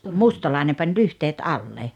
mustalainen pani lyhteet alle